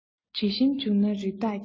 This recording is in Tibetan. དྲི ཞིམ འབྱུང ན རི དྭགས ཀྱི